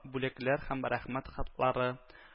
Бүләкләр һәм рәхмәт хатлары